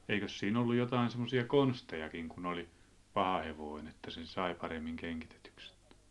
eikös siinä ollut jotakin semmoisia konstejakin kun oli paha hevonen että sen sai paremmin kengitetyksi sitten